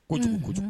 Unhun kojugu kojugu